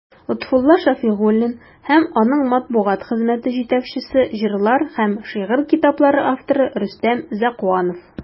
Лотфулла Шәфигуллин һәм аның матбугат хезмәте җитәкчесе, җырлар һәм шигырь китаплары авторы Рөстәм Зәкуанов.